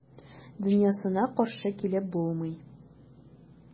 Дөньясына каршы килеп булмый.